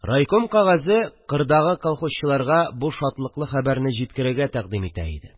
Райком кәгазе кырдагы колхозчыларга бу шатлыклы хәбәрне җиткерергә тәкъдим итә иде